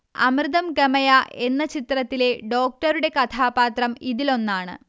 അമൃതം ഗമയ എന്ന ചിത്രത്തിലെ ഡോക്ടറുടെ കഥാപാത്രം ഇതിലൊന്നാണ്